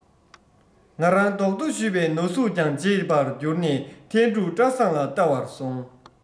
ང རང རྡོག ཐོ གཞུས པའི ན ཟུག ཀྱང བརྗེད པ གྱུར ནས ཐན ཕྲུག བཀྲ བཟང ལ བལྟ བར སོང